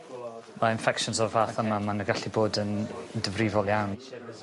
Ma' infections o'r fath yma ma' nw gallu bod yn yn difrifol iawn.